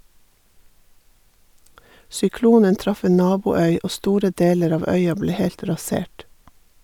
Syklonen traff en naboøy, og store deler av øya ble helt rasert.